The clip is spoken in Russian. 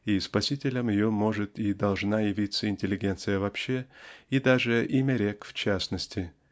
и спасителем ее может и должна явиться интеллигенция вообще и даже имярек в частности